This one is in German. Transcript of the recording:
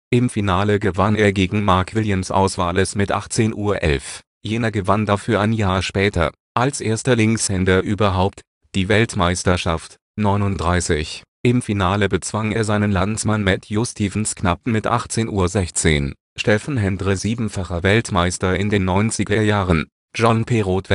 Im Finale gewann er gegen Mark Williams aus Wales mit 18:11. Jener gewann dafür ein Jahr später, als erster Linkshänder überhaupt, die Weltmeisterschaft. Im Finale bezwang er seinen Landsmann Matthew Stevens knapp mit 18:16. Stephen Hendry – siebenfacher Weltmeister in den 90er-Jahren John Parrott